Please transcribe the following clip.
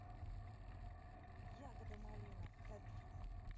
ягода малина хабиб